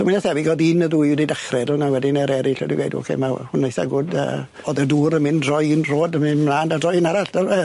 mwy na thebyg o'dd un neu ddwy 'di dechre do' wnna a 'dyn yr eryll wedi gweud oce ma' hwn eitha good a o'dd y dŵr yn mynd droi un troad a myn' mlan a droi un arall dyfe?